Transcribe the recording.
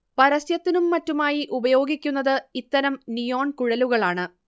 പരസ്യത്തിനും മറ്റുമായി ഉപയോഗിക്കുന്നത് ഇത്തരം നിയോൺ കുഴലുകളാണ്